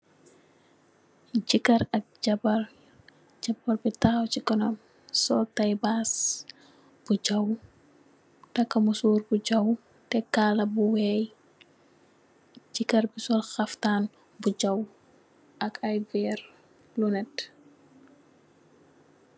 Jekerr ak jabarr, jabarr bi takhaw si kanam sul teybass bu jong taka musor bu jong tek kala bu weex. Jekerr bi sul khaftan bu jong ak aye verr luneth